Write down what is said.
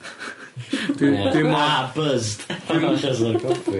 Ie a buzzed achos y coffi.